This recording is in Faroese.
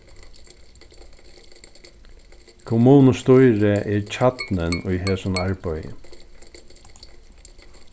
kommunustýrið er kjarnin í hesum arbeiði